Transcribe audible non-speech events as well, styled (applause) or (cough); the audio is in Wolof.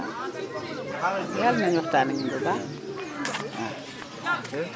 (crosstalk) daal dinañu waxtaan ak ñun bu baax waaw (crosstalk)